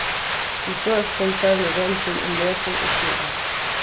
í føroyskum fevnir royndin um lesing og skriving